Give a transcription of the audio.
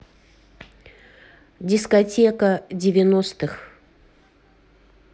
дискотека девяностых